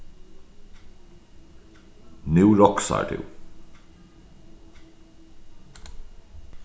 nú roksar tú